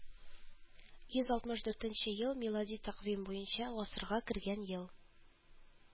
Йөз алтмыш дүртенче ел милади тәкъвим буенча гасырга кергән ел